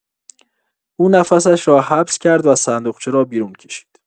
او نفسش را حبس کرد و صندوقچه را بیرون کشید.